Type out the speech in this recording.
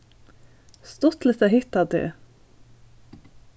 stuttligt at hitta teg